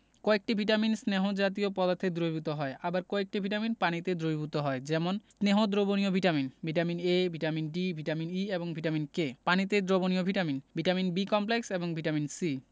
কয়েকটি ভিটামিন স্নেহ জাতীয় পদার্থে দ্রবীভূত হয় আবার কয়েকটি ভিটামিন পানিতে দ্রবীভূত হয় যেমন স্নেহ দ্রবণীয় vitamin vitamin A vitamin D vitamin E ও ভিটামিন K পানিতে দ্রবণীয় ভিটামিন ভিটামিন B কমপ্লেক্স এবং ভিটামিন C